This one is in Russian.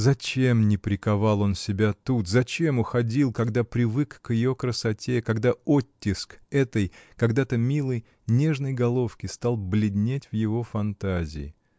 Зачем не приковал он себя тут, зачем уходил, когда привык к ее красоте, когда оттиск этой, когда-то милой, нежной головки стал бледнеть в его фантазии?